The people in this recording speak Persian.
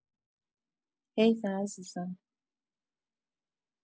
حیفه عزیزم